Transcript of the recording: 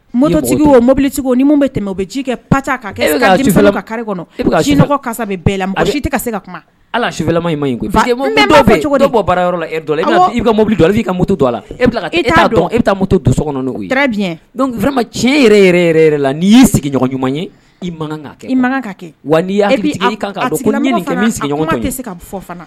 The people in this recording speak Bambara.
Bili bɛ tɛmɛ ji' fɛ cogobili ka la so tiɲɛ'i sigi ɲuman ye